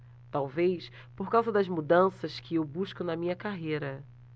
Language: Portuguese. talvez por causa das mudanças que eu busco na minha carreira